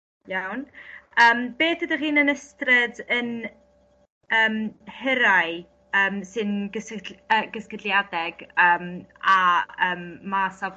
Iawn yym beth ydych chi'n yn ystyred yn yym hirau yym sy'n gysyllt- yy gysylltiadeg yym a yym ma' safle